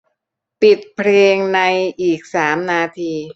ปิดเพลงในอีกสามนาที